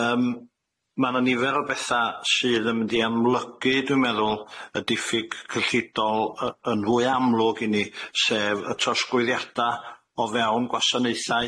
Yym ma' 'na nifer o betha sydd yn mynd i amlygu dwi'n meddwl y diffyg cyllidol y- yn fwy amlwg i ni, sef y trosglwyddiada' o fewn gwasanaethau.